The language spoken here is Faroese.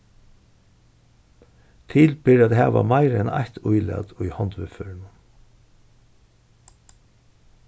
til ber at hava meira enn eitt ílat í hondviðførinum